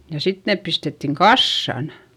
ja sitten ne pistettiin kasaan